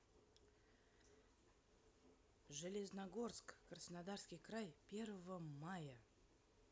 железногорск красноярский край первое мая